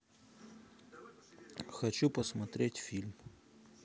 хочу посмотреть фильм